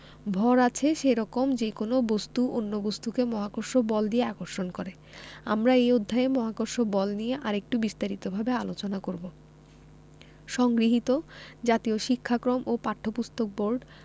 ভর আছে সেরকম যেকোনো বস্তু অন্য বস্তুকে মহাকর্ষ বল দিয়ে আকর্ষণ করে আমরা এই অধ্যায়ে মহাকর্ষ বল নিয়ে আরেকটু বিস্তারিতভাবে আলোচনা করব সংগৃহীত জাতীয় শিক্ষাক্রম ও পাঠ্যপুস্তক বোর্ড